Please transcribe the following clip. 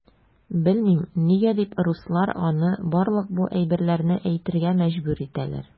Белмим, нигә дип руслар аны барлык бу әйберләрне әйтергә мәҗбүр итәләр.